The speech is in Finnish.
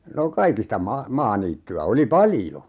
no kaikista - maaniittyä oli paljon